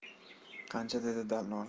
qancha dedi dallol